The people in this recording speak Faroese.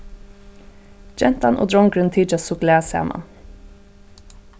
gentan og drongurin tykjast so glað saman